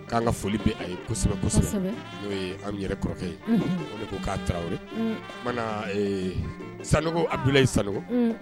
K' ka foli bɛ ye kosɛbɛsɔ n'o ye an yɛrɛ kɔrɔkɛ ye olu ko k'a tarawele sanu a bilayi sanu